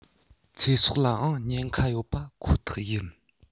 ཚེ སྲོག ལའང ཉེན ཁ ཡོད པ ཁོ ཐག ཡིན